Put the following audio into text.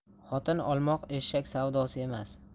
xotin olmoq eshak savdosi emas